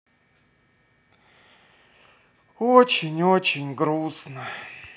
очень очень грустно